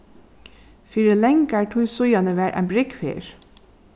fyri langari tíð síðani var ein brúgv her